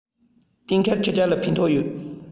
གཏན འཁེལ ཆུ རྐྱལ ལ ཕན ཐོགས ཡོད